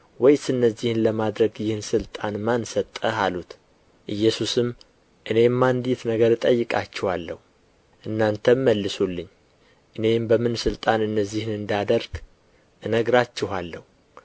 ወይስ እነዚህን ለማድረግ ይህን ሥልጣን ማን ሰጠህ አሉት ኢየሱስም እኔም አንዲት ነገር እጠይቃችኋለሁ እናንተም መልሱልኝ እኔም በምን ሥልጣን እነዚህን እንዳደርግ እነግራችኋለሁ